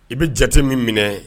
I be jate min minɛ